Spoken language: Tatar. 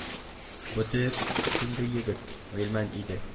Бу – теге көнге егет – Гыйльман иде